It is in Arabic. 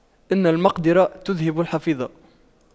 إن المقْدِرة تُذْهِبَ الحفيظة